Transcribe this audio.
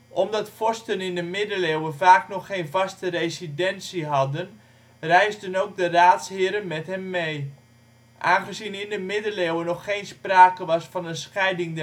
Omdat vorsten in de middeleeuwen vaak nog geen vaste residentie hadden reisden ook de raadsheren met hen mee. Aangezien in de Middeleeuwen nog geen sprake was van een scheiding